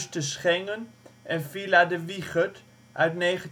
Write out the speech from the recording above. te Schengen en Villa de Wychert (1907